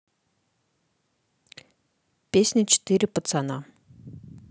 песня четыре пацана